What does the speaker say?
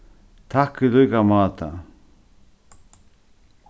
takk í líka máta